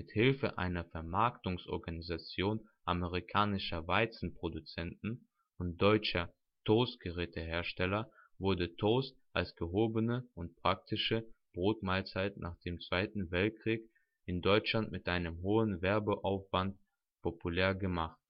Hilfe einer Vermarktungsorganisation amerikanischer Weizenproduzenten und deutscher Toastgerätehersteller wurde Toast als gehobene und ‚ praktische ‘Brotmahlzeit nach dem Zweiten Weltkrieg in Deutschland mit einem hohen Werbeaufwand populär gemacht